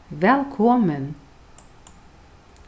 vælkomin